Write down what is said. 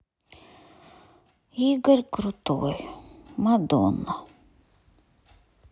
игорь крутой мадонна